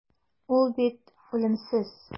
Ул бит үлемсез.